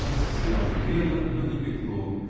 солнце сияло и грело, но не пекло